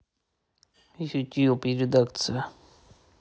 ютуб редакция